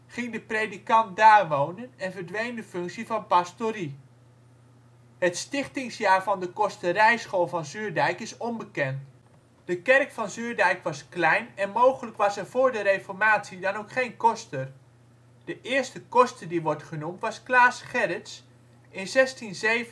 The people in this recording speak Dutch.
ging de predikant daar wonen en verdween de functie van de pastorie. Het stichtingsjaar van de kosterijschool van Zuurdijk is onbekend. De kerk van Zuurdijk was klein en mogelijk was er voor de reformatie dan ook geen koster. De eerste koster die wordt genoemd was Claes Gerrits in 1647